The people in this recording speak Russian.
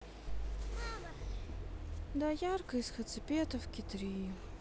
доярка из хацапетовки три